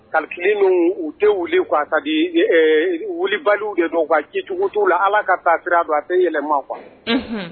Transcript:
Calcul ninnu u tɛ wuli quoi kabi wulibaliw de dɔn cicogo t'u la Ala ka taasira don a tɛ yɛlɛma quoi , unhun